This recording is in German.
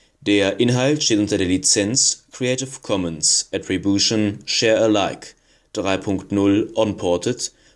Der Inhalt steht unter der Lizenz Creative Commons Attribution Share Alike 3 Punkt 0 Unported